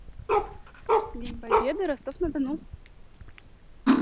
день победы ростов на дону